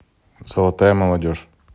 золотая молодежь